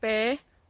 be'